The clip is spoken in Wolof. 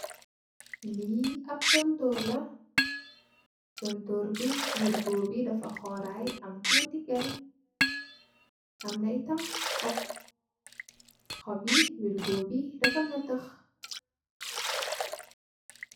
Li ap tontorr la, tontorr bi wirgo bi dafa xooray am tutti gel. am na yitam Xop, xop yi wirgo bi dafa natax.